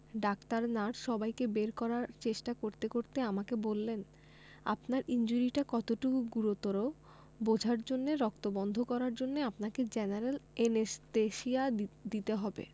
doctor nurse সবাইকে বের করার চেষ্টা করতে করতে আমাকে বললেন আপনার ইনজুরিটা কতটুকু গুরুতর বোঝার জন্যে রক্ত বন্ধ করার জন্যে আপনাকে জেনারেল অ্যানেসথেসিয়া দিতে হবে